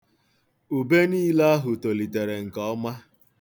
Ube niile ahụ tolitere nke ọma.